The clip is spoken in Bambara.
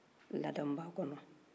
ladamu bɛ a kɔnɔ